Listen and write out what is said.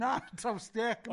Na, trawstie, come on.